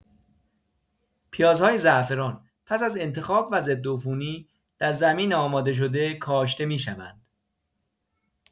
پیازهای زعفران پس از انتخاب و ضدعفونی، در زمین آماده‌شده کاشته می‌شوند.